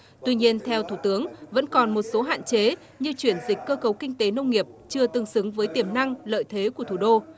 tuy nhiên theo thủ tướng vẫn còn một số hạn chế như chuyển dịch cơ cấu kinh tế nông nghiệp chưa tương xứng với tiềm năng lợi thế của thủ đô